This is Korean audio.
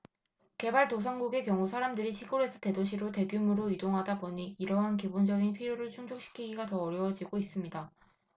개발도상국의 경우 사람들이 시골에서 대도시로 대규모로 이동하다 보니 이러한 기본적인 필요를 충족시키기가 더 어려워지고 있습니다